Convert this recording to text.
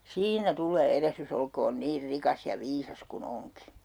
siinä tulee erehdys olkoon niin rikas ja viisas kuin onkin